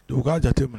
Dugu k'a jate